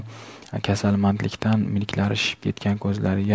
kasalmandlikdan milklari shishib ketgan ko'zlariga